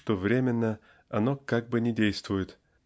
что временно оно как бы не действует